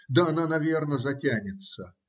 да она наверно затянется.